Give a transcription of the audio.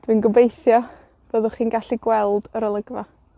Dwi'n gobeithio byddwch chi'n gallu gweld yr olygfa.